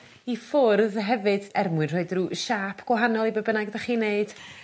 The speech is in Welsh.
i ffwrdd hefyd er mwyn rhoid ryw siâp gwahanol i be' bynnag ydach chi'n neud